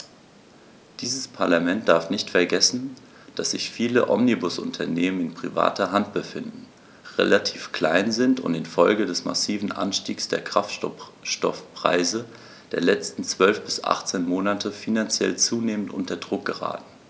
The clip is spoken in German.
Dieses Parlament darf nicht vergessen, dass sich viele Omnibusunternehmen in privater Hand befinden, relativ klein sind und in Folge des massiven Anstiegs der Kraftstoffpreise der letzten 12 bis 18 Monate finanziell zunehmend unter Druck geraten.